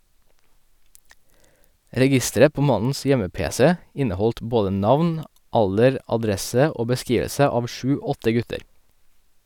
Registeret på mannens hjemme-pc inneholdt både navn, alder, adresse og beskrivelse av sju-åtte gutter.